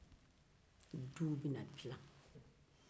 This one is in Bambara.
duw bɛna dila